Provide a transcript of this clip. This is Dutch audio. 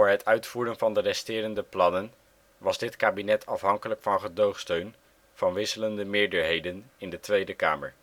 het uitvoeren van de resterende plannen was dit kabinet afhankelijk van gedoogsteun van wisselende meerderheden in de Tweede Kamer